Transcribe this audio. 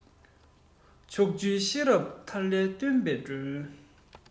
ཕྱོགས བཅུའི གཤེན རབ ཐར ལམ སྟོན པའི སྒྲོན